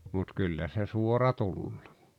mutta kyllä se suora tulee